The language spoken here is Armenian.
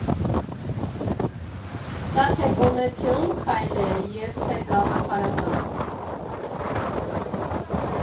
Սա թե՛ կոմերցիոն քայլ է և թե՛ գաղափարական։